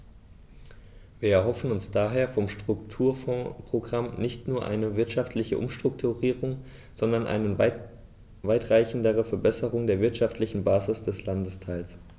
Wir erhoffen uns daher vom Strukturfondsprogramm nicht nur eine wirtschaftliche Umstrukturierung, sondern eine weitreichendere Verbesserung der wirtschaftlichen Basis des Landesteils.